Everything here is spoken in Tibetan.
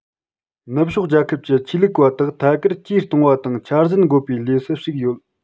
ནུབ ཕྱོགས རྒྱལ ཁབ ཀྱི ཆོས ལུགས པ དག ཐད ཀར ཇུས གཏོང བ དང འཆར ཟིན འགོད པའི ལས སུ ཞུགས ཡོད